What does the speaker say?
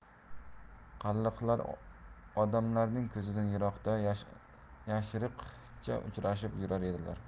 qalliqlar odamlarning ko'zidan yiroqda yashiriqcha uchrashib yurar edilar